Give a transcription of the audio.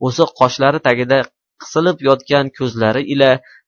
o'siq qoshlari tagida qisilib yotgan ko'zlari ila